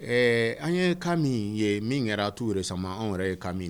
Ɛɛ an ye ka min ye min kɛra tu yɛrɛ sama anw yɛrɛ ye ka min